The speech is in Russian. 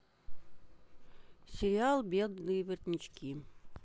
сериал белые воротнички